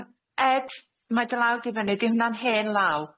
Yym Ed, mae dy law di fyny, di hwnna'n hen law?